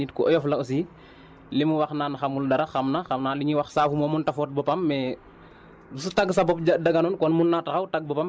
comme ni ko sama grand Fane Faye waxee moom vraiment nit ku baax la nit ku oyof la aussi li mu wax naan xamul dara xam na xam naa lu ñuy wax saabu moom mënut a fóot boppam